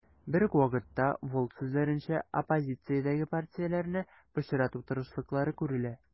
Берүк вакытта, Волк сүзләренчә, оппозициядәге партияләрне пычрату тырышлыклары күрелә.